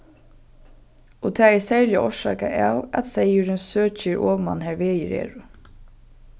og tað er serliga orsakað av at seyðurin søkir oman har vegir eru